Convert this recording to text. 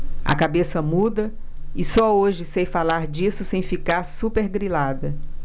a cabeça muda e só hoje sei falar disso sem ficar supergrilada